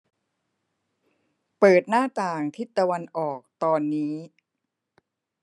เปิดหน้าต่างทิศตะวันออกตอนนี้